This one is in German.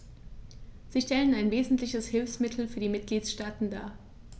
Sie stellen ein wesentliches Hilfsmittel für die Mitgliedstaaten dar.